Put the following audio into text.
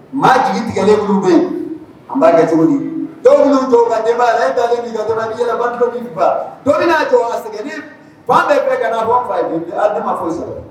Maa jigin tigɛ minnu bɛ yen a' kɛ cogo dɔw minnu cogoden ba dɔ min faa dɔ'a jɔ a sɛgɛn fa bɛ fɛ ka' bɔ fa ne ma fɔ sɛgɛn